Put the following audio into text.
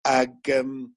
Ag yym